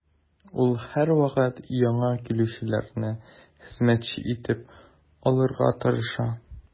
Ул һәрвакыт яңа килүчеләрне хезмәтче итеп алырга тырыша.